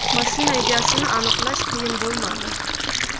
mashina egasini aniqlash qiyin bo'lmadi